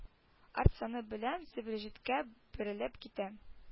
Арт саны белән зөбәрҗәткә бәрелеп китә